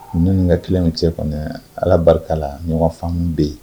Ne ni ka kelen min cɛ kɔni ala barika la ɲɔgɔnfan bɛ yen